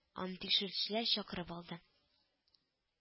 Аны тикшерүчеләр чакырып алды